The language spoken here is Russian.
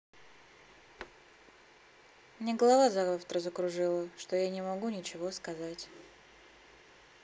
мне голова завтра закружила что я не могу ничего сказать